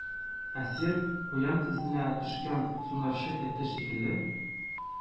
Әсир, куян эзенә төшкән сунарчы эте шикелле,